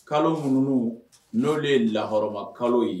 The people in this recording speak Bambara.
Kalo minnu n'o de ye laɔrɔma kalo ye